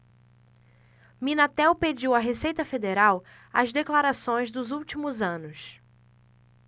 minatel pediu à receita federal as declarações dos últimos anos